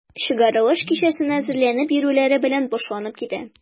Чыгарылыш кичәсенә әзерләнеп йөрүләре белән башланып китә.